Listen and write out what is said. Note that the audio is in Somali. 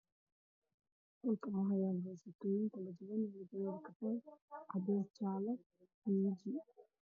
Waxaa ii muuqda caadado dhaadheer oo ay ku jirto kareen